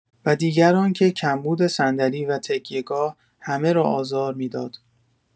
و دیگر آنکه، کمبود صندلی و تکیه‌گاه همه را آزار می‌داد.